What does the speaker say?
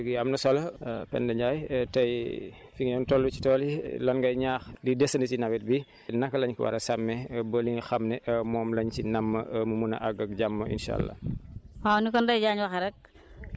jërëjëf Ndeye Diagne kàddu gi am na solo Penda Ndiaye tey fi ngeen toll si tool yi lan ngay ñaax li desandi si nawet bi naka lañ ko war a sàmmee ba li nga xam ne moom lañ si namm mu mun a àgg ak jàmm incha allah